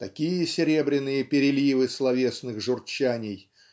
такие серебряные переливы словесных журчаний